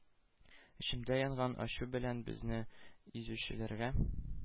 Эчемдә янган ачу белән безне изүчеләргә